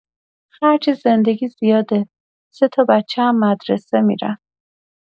خرج زندگی زیاده، سه‌تا بچه هم مدرسه می‌رن.